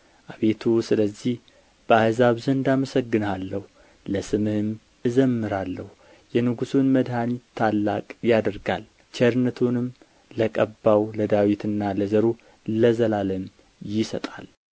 አቤቱ ስለዚህ በአሕዛብ ዘንድ አመሰግንሃለሁ ለስምህም እዘምራለሁ የንጉሡን መድኃኒት ታላቅ ያደርጋል ቸርነቱንም ለቀባው ለዳዊትና ለዘሩ ለዘላለም ይሰጣል